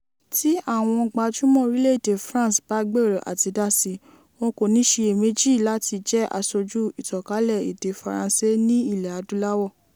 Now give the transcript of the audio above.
Tí àwọn gbajúmọ̀ orílẹ̀-èdè France bá gbèrò àti dási, wọn kò ní ṣiyèméjì láti jẹ́ asojú ìtànkálẹ̀ èdè Faransé ní Ilẹ̀ Adúláwò.